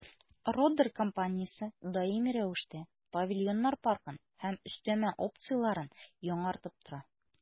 «родер» компаниясе даими рәвештә павильоннар паркын һәм өстәмә опцияләрен яңартып тора.